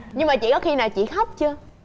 nhưng mà chị có khi nào chị khóc chưa